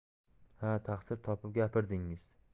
ha taqsir topib gapirdingiz